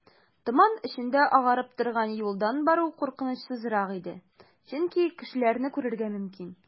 Томан эчендә агарып торган юлдан бару куркынычсызрак иде, чөнки кешеләрне күрергә мөмкин.